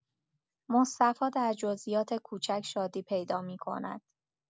مصطفی در جزئیات کوچک شادی پیدا می‌کند.